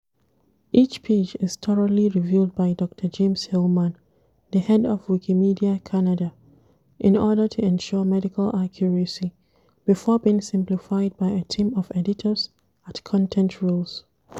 Each page is thoroughly reviewed by Dr. James Heilman, the head of Wikimedia Canada, in order to ensure medical accuracy, before being simplified by a team of editors at Content Rules.